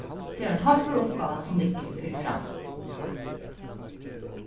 tað er ein torfør uppgáva sum liggur fyri framman